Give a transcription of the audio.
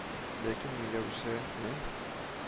Ләкин миләүшәнең